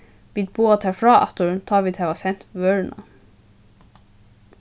vit boða tær frá aftur tá vit hava sent vøruna